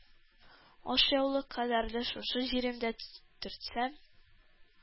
Ашъяулык кадәрле шушы җиремдә төртсәм